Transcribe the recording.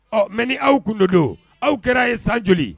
Ɔ mɛ ni aw kundodon aw kɛra ye sa joli